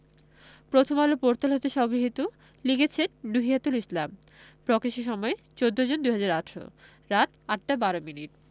Prothom Alo portal হতে সংগৃহীত লিখেছেন নুহিয়াতুল ইসলাম প্রকাশের সময় ১৪জুন ২০১৮ রাত ৮টা ১২ মিনিট